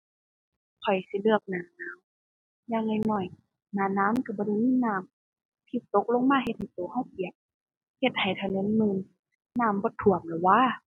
ข้อยสิเลือกหน้าหนาว อย่างน้อยน้อย หน้าหนาวมันก็บ่ได้มีน้ำที่ตกลงมาเฮ็ดให้ก็ก็เปียก เฮ็ดให้ถนนมื่น น้ำบ่ท่วมล่ะหวา